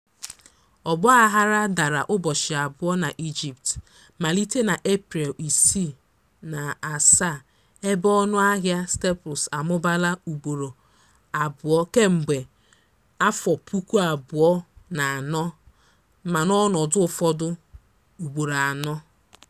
Ọgbaghara dara ụbọchị abụọ na Egypt, malite na Eprel 6 na 7, ebe ọnụahịa staples amụbaala ugboro abụọ kemgbe 2004 (ma n'ọnọdụ ụfọdụ ugboro anọ).